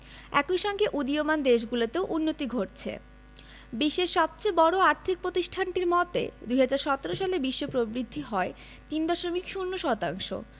একই সঙ্গে উদীয়মান দেশগুলোতেও উন্নতি ঘটছে বিশ্বের সবচেয়ে বড় আর্থিক প্রতিষ্ঠানটির মতে ২০১৭ সালে বিশ্ব প্রবৃদ্ধি হয় ৩.০ শতাংশ